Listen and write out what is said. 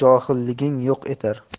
johilliging yo'q etar